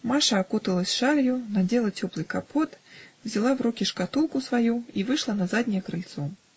Маша окуталась шалью, надела теплый капот, взяла в руки шкатулку свою и вышла на заднее крыльцо.